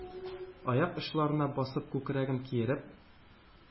Аяк очларына басып, күкрәген киереп,